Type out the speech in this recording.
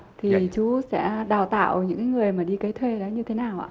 thì chú sẽ đào tạo những người mà đi cấy thuê đấy như thế nào ạ